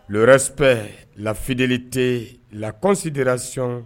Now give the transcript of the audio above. Le respect la fidélité la considération